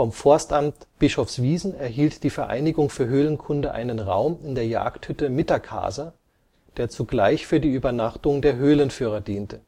Forstamt Bischofswiesen erhielt die Vereinigung für Höhlenkunde einen Raum in der Jagdhütte Mitterkaser, der zugleich für die Übernachtung der Höhlenführer diente